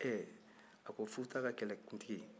ɛ a ko futa ka kɛlɛkuntigi